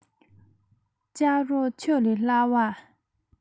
སྐྱག རོ ཆུ ལས སླ བ